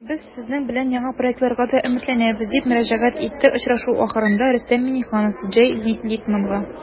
Без сезнең белән яңа проектларга да өметләнәбез, - дип мөрәҗәгать итте очрашу ахырында Рөстәм Миңнеханов Джей Литманга.